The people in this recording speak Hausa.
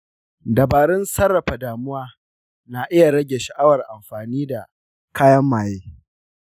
dabarun sarrafa damuwa na iya rage sha’awar amfani da kayan maye.